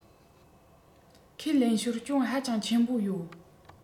ཁས ལེན ཞོར སྐྱོན ཧ ཅང ཆེན པོ ཡོད